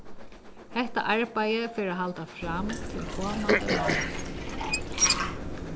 hetta arbeiðið fer at halda fram til komandi mánadag